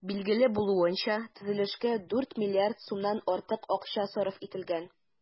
Билгеле булуынча, төзелешкә 4 миллиард сумнан артык акча сарыф ителгән.